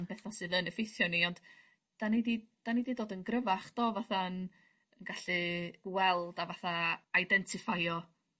...am betha sydd yn effeithio ni ond 'dan ni 'di 'dan ni 'di dod yn gryfach do fatha yn gallu weld a fatha eidentiffaio